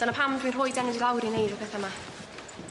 Dyna pam dwi'n rhoid enw i lawr i neud rwbeth yma.